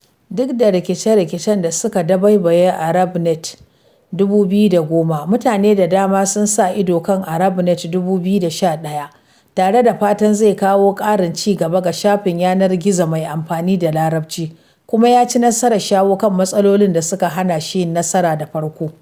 Duk da rikice-rikicen da suka dabaibaye ArabNet 2010, mutane da dama sun sa ido kan ArabNet 2011 tare da fatan zai kawo ƙarin cigaba ga shafin yanar gizon mai amfani da Larabci, kuma ya ci nasarar shawo kan matsalolin da suka hana shi yin nasara da farko.